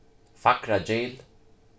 fagragil